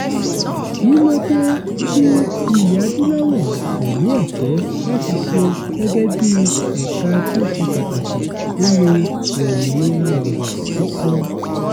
Kí ló dé tí Ilẹ̀-Adúláwọ̀ kò ní ẹ̀tọ́ láti ṣẹ̀ gẹ́gẹ́ bí ẹ̀ka tí ó ṣe pàtàkì nínú òmìnira ọ̀rọ̀ sísọ?